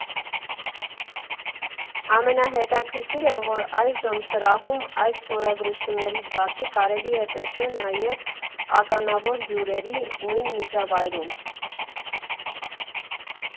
Ամենահետաքրքիրը, որ այժմ սրահում այդ ստորագրություններից բացի կարելի է տեսնել նաև ականավոր հյուրերի՝ նույն միջավայրում։